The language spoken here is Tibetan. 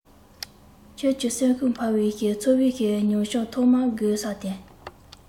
ཁྱོད ཀྱིས གསོན ཤུགས འཕར བའི ཚོར བའི མྱོང བྱང ཐོག མར དགོད ས དེ